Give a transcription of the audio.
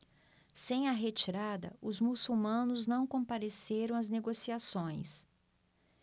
sem a retirada os muçulmanos não compareceram às negociações